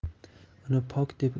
uni pok deb